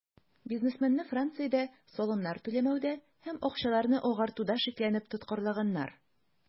Бизнесменны Франциядә салымнар түләмәүдә һәм акчаларны "агартуда" шикләнеп тоткарлаганнар.